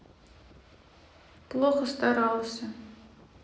плохо старался